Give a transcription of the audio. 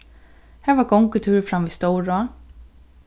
har var gongutúrur fram við stórá